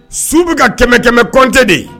Su bɛ ka kɛmɛ kɛmɛ kɔnte de